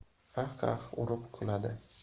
qah qah urib kuladi